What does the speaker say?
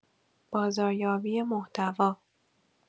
بازاریابی محتوا